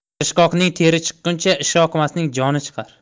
tirishqoqning teri chiqquncha ishyoqmasning joni chiqar